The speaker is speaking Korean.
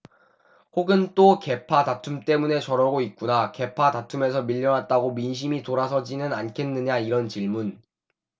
혹은 또 계파 다툼 때문에 저러고 있구나 계파다툼에서 밀려났다고 민심이 돌아서지는 않겠느냐 이런 질문